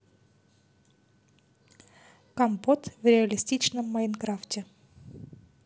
компот в реалистичном майнкрафте